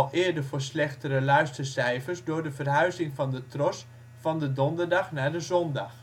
eerder voor slechtere luistercijfers door de verhuizing van de TROS van de donderdag naar de zondag